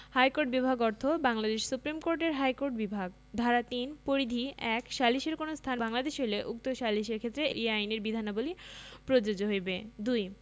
ইহাকোর্ট বিভাগ অর্থ বাংলাদেশ সুপ্রীম কোর্টের হাইকোর্ট বিভাগ ধারা ৩ পরিধি ১ কোন সালিসের স্থান বাংলাদেশ হইলে উক্ত সালিসের ক্ষেত্রে এই আইনের বিধানাবলী প্রযোজ্য হইবে